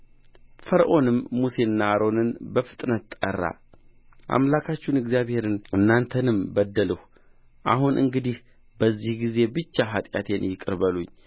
ፈርዖንም ሙሴንና አሮንን በፍጥነት ጠራ አምላካችሁን እግዚአብሔርን እናንተንም በደልሁ አሁን እንግዲህ በዚህ ጊዜ ብቻ ኃጢአቴን ይቅር በሉኝ